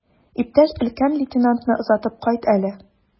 Иптәш өлкән лейтенантны озатып кайт әле.